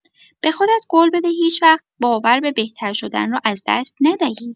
به خودت قول بده که هیچ‌وقت باور به بهتر شدن را از دست ندهی.